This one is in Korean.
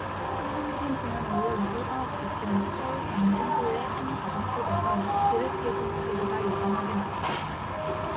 일요일인 지난 오 일 오후 아홉 시쯤 서울 광진구의 한 가정집에서 그릇 깨지는 소리가 요란하게 났다